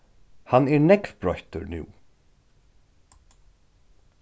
hann er nógv broyttur nú